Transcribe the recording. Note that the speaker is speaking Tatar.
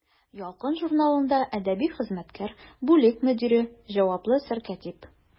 «ялкын» журналында әдәби хезмәткәр, бүлек мөдире, җаваплы сәркәтиб.